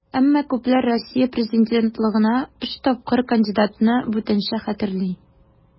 Әмма күпләр Россия президентлыгына өч тапкыр кандидатны бүтәнчә хәтерли.